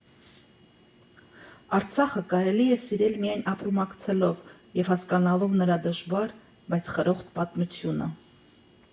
Արցախը կարելի է սիրել միայն ապրումակցելով և հասկանալով նրա դժվար, բայց խրոխտ պատմությունը։